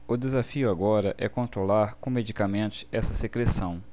o desafio agora é controlar com medicamentos essa secreção